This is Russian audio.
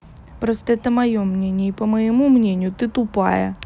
просто это мое мнение и по моему мнению ты тупая